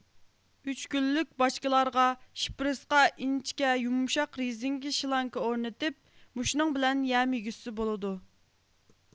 ئۈچ كۈنلۈك باچكىلارغا شپىرىسقا ئىنچىكە يۇمشاق رېزىنكە شلانكا ئورنىتىپ مۇشۇنىڭ بىلەن يەم يېگۈزسە بولىدۇ